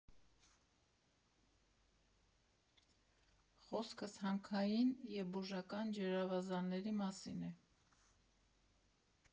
Խոսքս հանքային և բուժական ջրավազանների մասին է։